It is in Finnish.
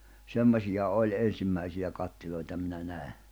semmoisia oli ensimmäisiä kattiloita minä näin